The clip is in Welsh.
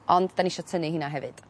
Ond 'dan ni isio tynnu heina hefyd.